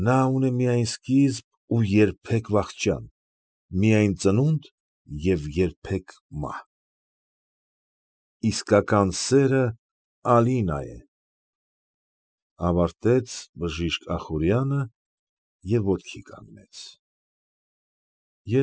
Նա ունե միայն սկիզբ և երբեք վախճան, միայն ծնունդ և երբեք մահ… ֊ Իսկական սերն Ալինա է, ֊ ավարտեց բժիշկ Ախուրյանը և ոտքի կանգնեց։ ֊